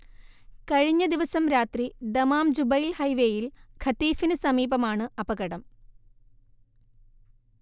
കഴിഞ്ഞദിവസം രാത്രി ദമാംജുബൈൽ ഹൈവേയിൽ ഖതീഫിന് സമീപമാണ് അപകടം